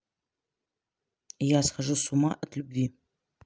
я схожу с ума от любви